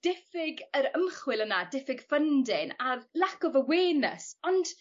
diffyg yr ymchwil yna diffyg funding a'r lack of awareness ond